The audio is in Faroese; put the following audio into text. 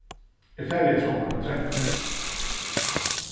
eg fari eftir onkrum at drekka